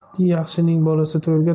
yaxshining bolasi to'rga